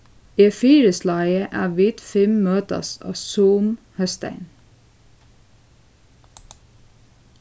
eg fyrislái at vit fimm møtast á zoom hósdagin